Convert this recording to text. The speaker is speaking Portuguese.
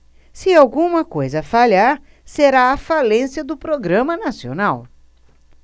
se alguma coisa falhar será a falência do programa nacional